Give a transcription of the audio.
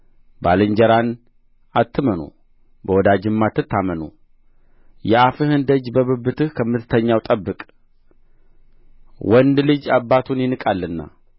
ባልንጀራን አትመኑ በወዳጅም አትታመኑ የአፍህን ደጅ በብብትህ ከምትተኛው ጠብቅ ወንድ ልጅ አባቱን ይንቃልና